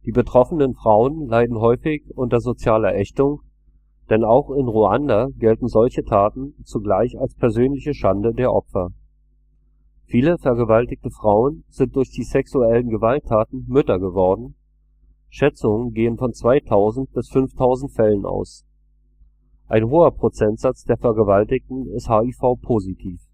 betroffenen Frauen leiden häufig unter sozialer Ächtung, denn auch in Ruanda gelten solche Taten zugleich als persönliche Schande der Opfer. Viele vergewaltigte Frauen sind durch die sexuellen Gewalttaten Mütter geworden – Schätzungen gehen von 2000 bis 5000 Fällen aus. Ein hoher Prozentsatz der Vergewaltigten ist HIV-positiv